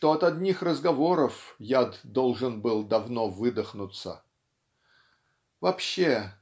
что от одних разговоров яд должен был давно выдохнуться. Вообще